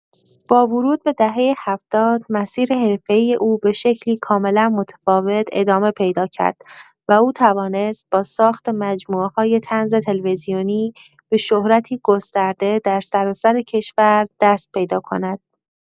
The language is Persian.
با ورود به دهه هفتاد، مسیر حرفه‌ای او به شکلی کاملا متفاوت ادامه پیدا کرد و او توانست با ساخت مجموعه‌های طنز تلویزیونی، به شهرتی گسترده در سراسر کشور دست پیدا کند.